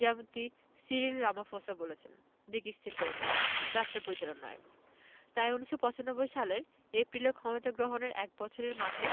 যেমনটি Cyril Ramaphosa বলেছেন দিক স্থির করে দেওয়া রাষ্ট্রপরিচালনা নয় তাই ১৯৯৫ সালের এপ্রিলে ক্ষমতা গ্রহণের এক বছরের মাথায়